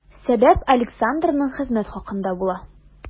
Сәбәп Александрның хезмәт хакында була.